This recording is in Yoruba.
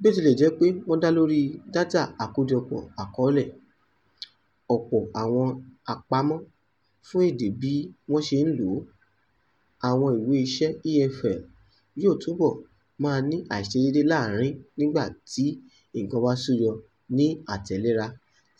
Bí ó tilẹ̀ jẹ́ pé wọ́n dá lórí "dátà àkójọpọ̀ àkọọ́lẹ̀" — ọ̀pọ̀ àwọn àpamọ́ fún èdè bí wọ́n ṣe ń lò ó — àwọn ìwé iṣẹ́ EFL yóò túbọ̀ máa ní àìṣedéédé láàárín nígbà tí nǹkan ba ń ṣẹ́yọ ní àtẹ̀léra